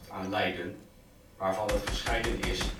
aan Leiden, waarvan het gescheiden is